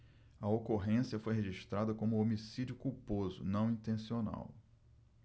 a ocorrência foi registrada como homicídio culposo não intencional